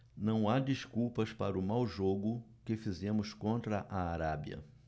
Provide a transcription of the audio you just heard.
não há desculpas para o mau jogo que fizemos contra a arábia